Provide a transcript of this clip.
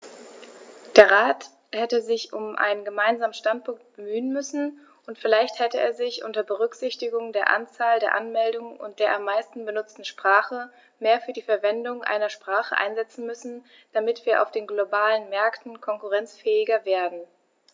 Der Rat hätte sich um einen gemeinsamen Standpunkt bemühen müssen, und vielleicht hätte er sich, unter Berücksichtigung der Anzahl der Anmeldungen und der am meisten benutzten Sprache, mehr für die Verwendung einer Sprache einsetzen müssen, damit wir auf den globalen Märkten konkurrenzfähiger werden.